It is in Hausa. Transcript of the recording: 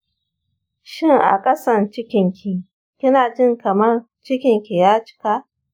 shin a kasan cikinki kinajin kamar cikinki ya cika?